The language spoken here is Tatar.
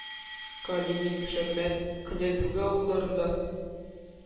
Калинин, Шәммәт, Князь-Елга авылларында